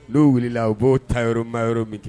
N'o wulila u b'o ta yɔrɔ maa yɔrɔ min ten